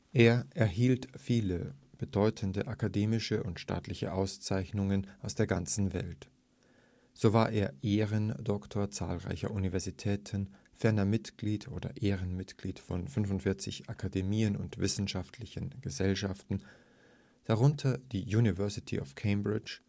Er erhielt viele bedeutende akademische und staatliche Auszeichnungen auf der ganzen Welt. So war er Ehrendoktor zahlreicher Universitäten, ferner Mitglied oder Ehrenmitglied von 45 Akademien und Wissenschaftlichen Gesellschaften – darunter die University of Cambridge